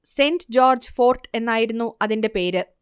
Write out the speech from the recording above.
saint George fort എന്നായിരുന്നു അതിന്റെ പേര്